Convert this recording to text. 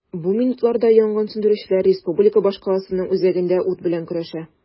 Бу минутларда янгын сүндерүчеләр республика башкаласының үзәгендә ут белән көрәшә.